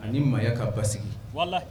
Ani maaya k'a ba sigi